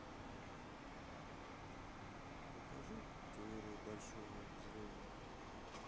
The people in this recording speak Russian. покажи теорию большого взрыва